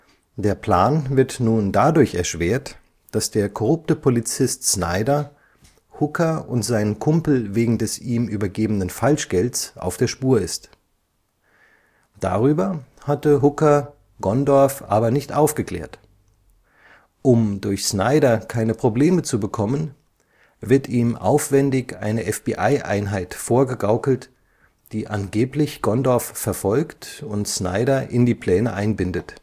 Der Plan wird nun dadurch erschwert, dass der korrupte Polizist Snyder Hooker und seinen Kumpel wegen des ihm übergebenen Falschgelds auf der Spur ist. Darüber hatte Hooker Gondorff aber nicht aufgeklärt. Um durch Snyder keine Probleme zu bekommen, wird ihm aufwändig eine FBI-Einheit vorgegaukelt, die angeblich Gondorff verfolgt und Snyder in die Pläne einbindet